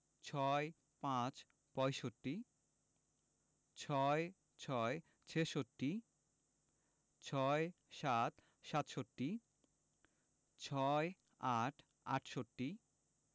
৬৫ – পয়ষট্টি ৬৬ – ছেষট্টি ৬৭ – সাতষট্টি ৬৮ – আটষট্টি